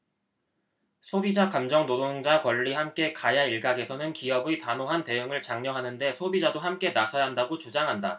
소비자 감정노동자 권리 함께 가야일각에서는 기업의 단호한 대응을 장려하는데 소비자도 함께 나서야 한다고 주장한다